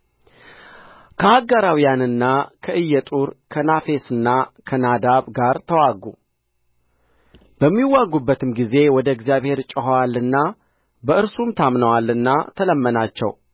ከአጋራውያንና ከኢጡር ከናፌስና ከናዳብ ጋር ተዋጉ በሚዋጉበትም ጊዜ ወደ እግዚአብሔር ጮኸዋልና በእርሱም ታምነዋልና ተለመናቸው